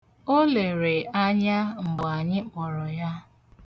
O lere anya mgbe anyị kpọrọ ya.